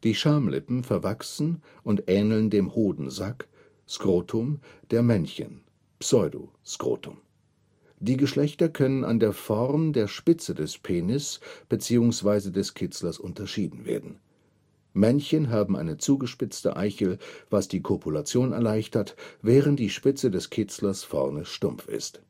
Schamlippen verwachsen und ähneln dem Hodensack (Skrotum) der Männchen (Pseudoskrotum). Die Geschlechter können an der Form der Spitze des Penis beziehungsweise des Kitzlers unterschieden werden: Männchen haben eine zugespitzte Eichel, was die Kopulation erleichtert, während die Spitze des Kitzlers vorne stumpf ist